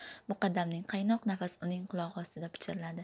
muqaddamning qaynoq nafasi uning qulog'i ostida pichirladi